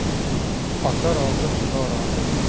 ota rozi xudo rozi